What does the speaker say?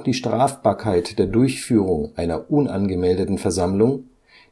die Strafbarkeit der Durchführung einer unangemeldeten Versammlung,